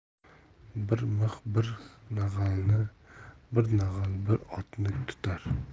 bir mix bir nag'alni bir nag'al bir otni tutar